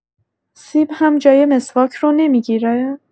سیب هم جای مسواک رو نمی‌گیره؟